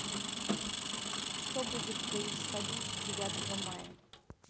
что будет происходить в девятого мая